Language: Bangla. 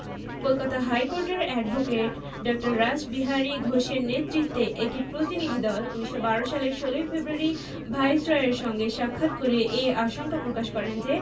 কলকাতা হাইকোর্টের অ্যাডভোকেট ড. রাসবিহারী ঘোষের নেতৃত্বে একটি প্রতিনিধিদল ১৯১২ সালের ১৬ ফেব্রুয়ারি ভাইসরয়ের সঙ্গে সাক্ষাৎ করে এ আশঙ্কা প্রকাশ করেন যে